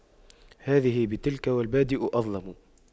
هذه بتلك والبادئ أظلم